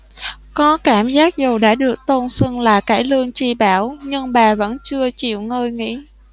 có cảm giác dù đã được tôn xưng là cải lương chi bảo nhưng bà vẫn chưa chịu ngơi nghỉ